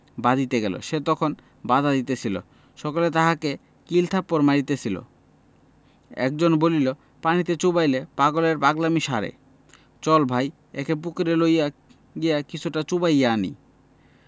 বাধিতে গেল সে যখন বাধা দিতেছিল সকলে তখন তাহাকে কিল থাপ্পর মারিতেছিল একজন বলিল পানিতে চুবাইলে পাগলের পাগলামী সারে চল ভাই একে পুকুরে লইয়া গিয়া কিছুটা চুবাইয়া আনি